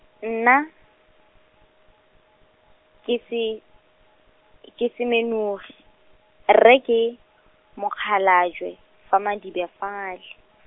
nna, ke Se-, ke Semenogi, rre ke, Mokgalajwe, fa Madibe a fale.